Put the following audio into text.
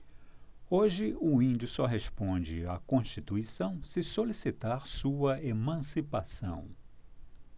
hoje o índio só responde à constituição se solicitar sua emancipação